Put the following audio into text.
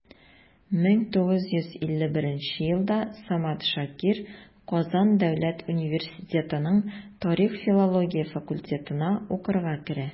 1951 елда самат шакир казан дәүләт университетының тарих-филология факультетына укырга керә.